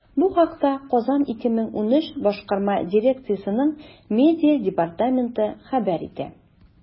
Бу хакта “Казан 2013” башкарма дирекциясенең медиа департаменты хәбәр итә.